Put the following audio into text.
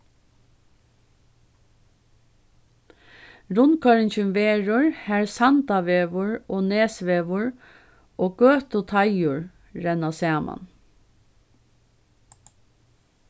rundkoyringin verður har sandavegur og nesvegur og gøtuteigur renna saman